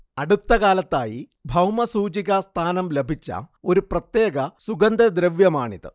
അടുത്തകാലത്തായി ഭൗമസൂചിക സ്ഥാനം ലഭിച്ച ഒരു പ്രത്യേക സുഗന്ധദ്രവ്യമാണിത്